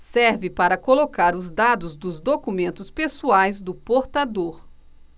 serve para colocar os dados dos documentos pessoais do portador